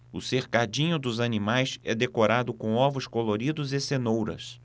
o cercadinho dos animais é decorado com ovos coloridos e cenouras